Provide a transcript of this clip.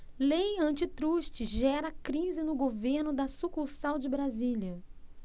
lei antitruste gera crise no governo da sucursal de brasília